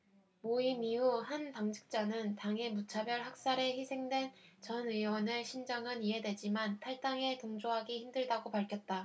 모임 이후 한 당직자는 당의 무차별 학살에 희생된 전 의원의 심정은 이해되지만 탈당에 동조하기 힘들다고 밝혔다